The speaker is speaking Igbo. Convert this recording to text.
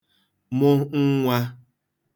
New dialectal variation